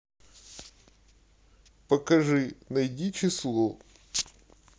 покажи найди число